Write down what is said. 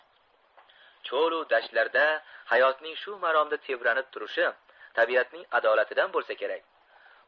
cho'lu dashtlarda hayotning shu maromda tebranib turishi tabiatning adolatidan bo'lsa kerak